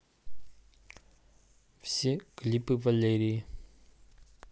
все клипы валерии